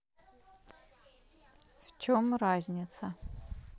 в чем разница